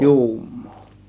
juumaa